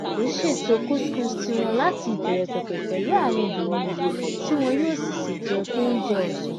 Àwọn àlejò ṣètò couscous tiwọn láti ìbẹ̀rẹ̀ pẹ̀pẹ̀ pẹ̀lú àwọn obìnrin ìlú, tí wọn yóò sì sè é jẹ fún oúnjẹ ọ̀sán.